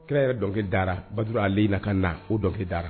Kira yɛrɛ dɔn da bato a aleyi na ka na o dɔnke da